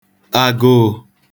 agụụ̄